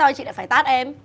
anh chị phải tát em